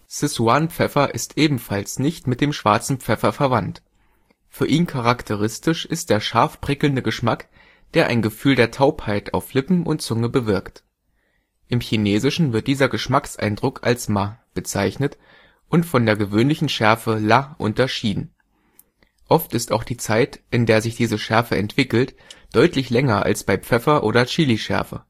Szechuanpfeffer ist ebenfalls nicht mit dem schwarzen Pfeffer verwandt. Für ihn charakteristisch ist der scharf-prickelnde Geschmack, der ein Gefühl der Taubheit auf Lippen und Zunge bewirkt. Im Chinesischen wird dieser Geschmackseindruck als má (麻) bezeichnet und von der gewöhnlichen Schärfe là (辣) unterschieden. Oft ist auch die Zeit, in der sich diese Schärfe entwickelt, deutlich länger als bei Pfeffer - oder Chilischärfe